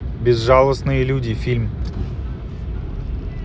безжалостные люди фильм